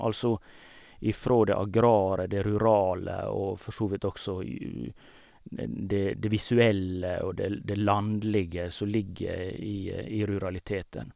Altså ifra det agrare, det rurale og forsåvidt også det det visuelle og det l det landlige som ligger i i ruraliteten.